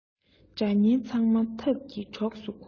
དགྲ གཉེན ཚང མ ཐབས ཀྱིས གྲོགས སུ ཁུག